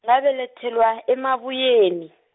ngabelethelwa eMabuyeni.